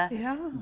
ja.